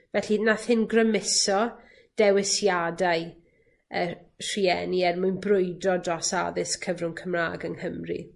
Felly nath hyn grymuso dewisiadau y rhieni er mwyn brwydro dros addysg cyfrwng Cymra'g yng Nghymru.